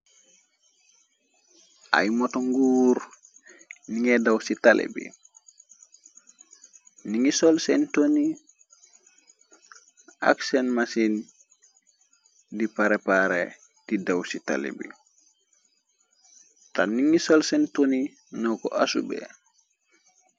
Ay moto nguur ni ngay daw ci talé bi ni ngi sol seen toni ak seen masi di parepaare di daw ci tale bi tax ni ngi sol seen toni na ko asube.